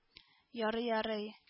- ярый, ярый